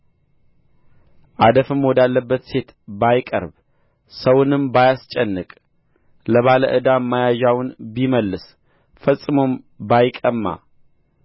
አደፍም ወዳለባት ሴት ባይቀርብ ሰውንም ባያስጨንቅ ለባለ ዕዳም መያዣውን ቢመልስ ፈጽሞም ባይቀማ